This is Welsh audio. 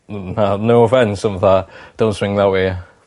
M- f- na no offebce ond fatha don't swing that way.